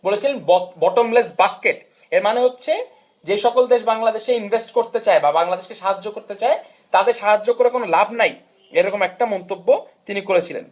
বলেছিলেন bottomless basket' এর মানে হচ্ছে যে সকল দেশ বাংলাদেশ ইনভেস্ট করতে চায় বা বাংলাদেশকে সাহায্য করতে চায় তাদের সাহায্য করে কোন লাভ নাই এরকম একটা মন্তব্য তিনি করেছিলেন